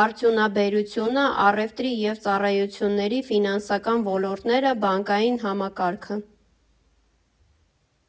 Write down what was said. արդյունաբերությունը, առևտրի և ծառայությունների, ֆինանսական ոլորտները, բանկային համակարգը։